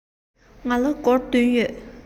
ང ལ སྒོར བདུན ཡོད